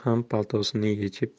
ham paltosini yechib